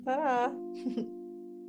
Tara.